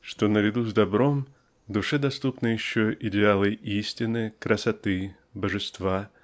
--что наряду с добром душе доступны еще идеалы истины красоты Божества